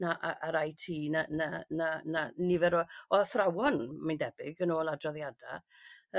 na y yr IT 'na na na na nifer o o athrawon mae'n debyg yn ôl adroddiada.